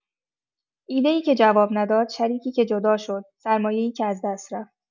ایده‌ای که جواب نداد، شریکی که جدا شد، سرمایه‌ای که از دست رفت؛